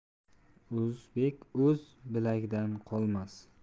o'zbek o'z bilganidan qolmas